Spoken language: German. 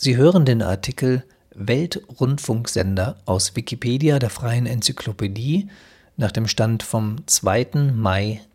hören den Artikel Weltrundfunksender, aus Wikipedia, der freien Enzyklopädie. Mit dem Stand vom Der